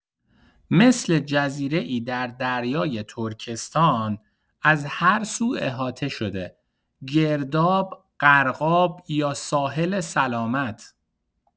مثل جزیره‌ای در دریای ترکستان از هرسو احاطه شده؛ گرداب، غرقاب یا ساحل سلامت؟